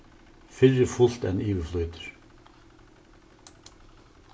fyrr er fult enn yvir flýtur